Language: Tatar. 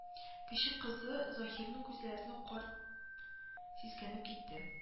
Кече кызы заһирнең сүзләреннән карт сискәнеп китте